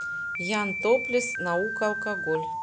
ян топлес наука алкоголь